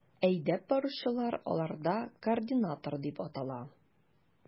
Әйдәп баручылар аларда координатор дип атала.